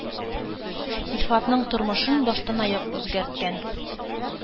Илфатның тормышын баштанаяк үзгәрткән